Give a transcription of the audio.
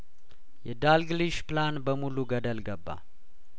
የዳልግሊሽ ፕላን በሙሉ ገደል ገባ